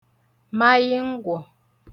maịngwọ̀